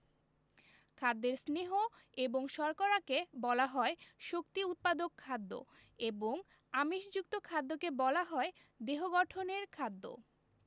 খাদ্যের স্নেহ এবং শর্করাকে বলা হয় শক্তি উৎপাদক খাদ্য এবং আমিষযুক্ত খাদ্যকে বলা হয় দেহ গঠনের খাদ্য